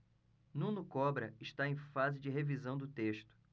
nuno cobra está em fase de revisão do texto